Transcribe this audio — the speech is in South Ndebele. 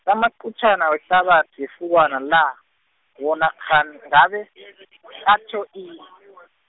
amaqutjana wehlabathi yefukwana la, wona kghani ngabe , atjho in-.